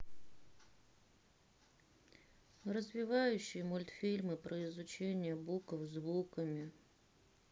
развивающие мультфильмы про изучение букв звуками